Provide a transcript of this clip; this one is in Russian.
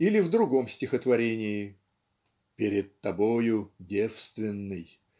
Или в другом стихотворении Перед тобою девственной